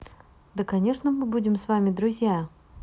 да конечно мы будем с вами друзья